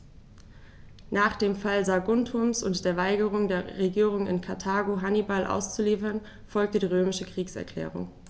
Nach dem Fall Saguntums und der Weigerung der Regierung in Karthago, Hannibal auszuliefern, folgte die römische Kriegserklärung.